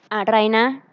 อะไรนะ